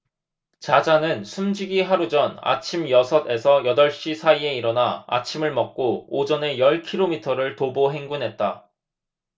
자자는 숨지기 하루 전 아침 여섯 에서 여덟 시 사이에 일어나 아침을 먹고 오전에 열 키로미터를 도보 행군했다